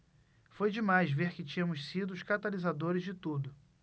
foi demais ver que tínhamos sido os catalisadores de tudo